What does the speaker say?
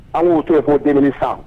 An k'o to yen ko denmisɛnnin sa